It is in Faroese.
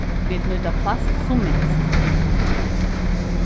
vit nýta plast sum minst